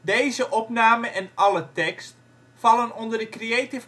53° 11 ' NB 6°